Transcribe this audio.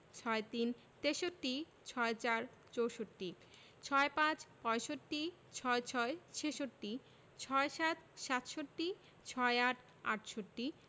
৬৩ – তেষট্টি ৬৪ – চৌষট্টি ৬৫ – পয়ষট্টি ৬৬ – ছেষট্টি ৬৭ – সাতষট্টি ৬৮ – আটষট্টি